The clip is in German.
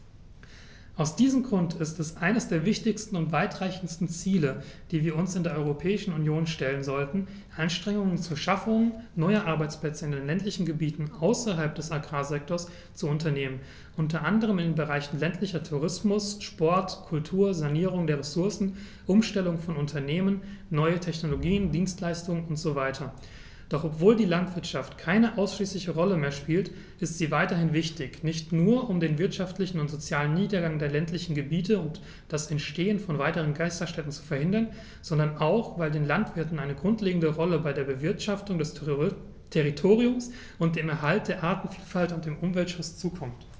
Aus diesem Grund ist es eines der wichtigsten und weitreichendsten Ziele, die wir uns in der Europäischen Union stellen sollten, Anstrengungen zur Schaffung neuer Arbeitsplätze in den ländlichen Gebieten außerhalb des Agrarsektors zu unternehmen, unter anderem in den Bereichen ländlicher Tourismus, Sport, Kultur, Sanierung der Ressourcen, Umstellung von Unternehmen, neue Technologien, Dienstleistungen usw. Doch obwohl die Landwirtschaft keine ausschließliche Rolle mehr spielt, ist sie weiterhin wichtig, nicht nur, um den wirtschaftlichen und sozialen Niedergang der ländlichen Gebiete und das Entstehen von weiteren Geisterstädten zu verhindern, sondern auch, weil den Landwirten eine grundlegende Rolle bei der Bewirtschaftung des Territoriums, dem Erhalt der Artenvielfalt und dem Umweltschutz zukommt.